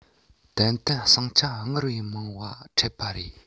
ཏན ཏན ཟིང ཆ སྔར བས མང བ འཕྲད པ རེད